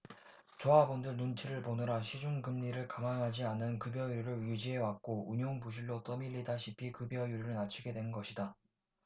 조합원들 눈치를 보느라 시중 금리를 감안하지 않은 급여율을 유지해왔고 운용 부실로 떠밀리다시피 급여율을 낮추게 된 것이다